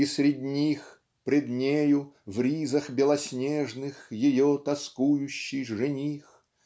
и средь них Пред нею, в ризах белоснежных, Ее тоскующий жених.